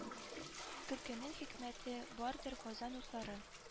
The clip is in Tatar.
Көлкенең хикмәте бардыр казан утлары